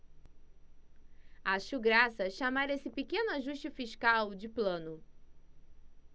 acho graça chamar esse pequeno ajuste fiscal de plano